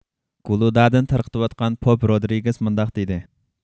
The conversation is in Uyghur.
گۇلۇدادىن تارقىتىۋاتقان پوپ رودىرېگىس مۇنداق دېدى